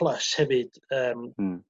plus hefyd yym... hmm